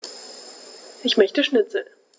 Ich möchte Schnitzel.